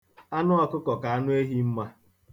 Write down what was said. Anụọ̄kụ̄kọ̀ ka anụehi mma.